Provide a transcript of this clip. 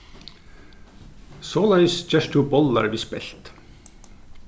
soleiðis gert tú bollar við spelt